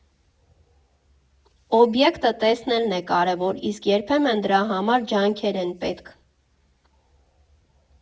Օբյեկտը տեսնելն է կարևոր, իսկ երբեմն դրա համար ջանքեր են պետք։